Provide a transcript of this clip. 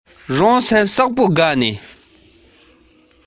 རྒན མོ དེས རྟག པར ང ལ